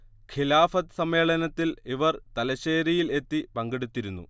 ഖിലാഫത്ത് സമ്മേളനത്തിൽ ഇവർ തലശ്ശേരിയിൽ എത്തി പങ്കെടുത്തിരുന്നു